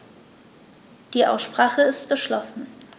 Die Aussprache ist geschlossen.